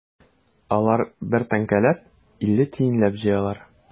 Алар бер тәңкәләп, илле тиенләп җыялар.